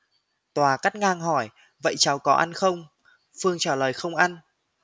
tòa cắt ngang hỏi vậy cháu có ăn không phương trả lời không ăn